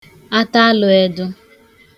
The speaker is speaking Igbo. atalụ̄ēdụ̄